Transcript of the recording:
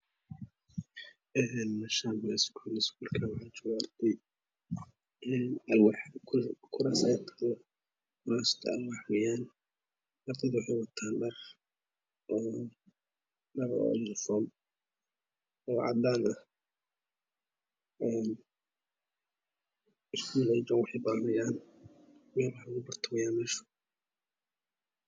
Een meeshaan waa iskool iskoolka waxaa jooga arday een alwaax kuraas ayaa taalo kuraastaan waxaa weeyan ardada waxay wataan dhar dhar oo yunifoom oo cadaan ah een iskuul ayey joogaan wax ayey baranayaan meel wax lagu barto weeyan meeshu